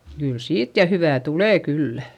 kyllä siitä ja hyvää tulee kyllä